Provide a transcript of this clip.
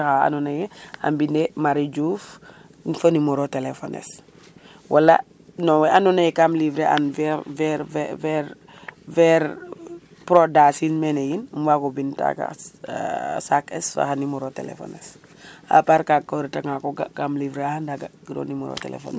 xa ando naye a mbine Marie Diouf fo numero telephone es wala no we ando naye kam livrer an vers vers prodas in mene yiin o waago bin taga sac es fo numero telephone es a part kaga koy ko gaka um livrer a nda ga kiro numero telephone es